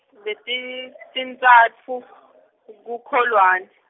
letitintsatfu, kuKholwane.